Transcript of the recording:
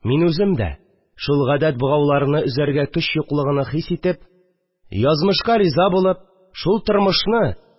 Мин үзем дә, шул «гадәт» богауларыны өзәргә көч юклыгыны хис итеп, язмышка риза булып, шул тормышны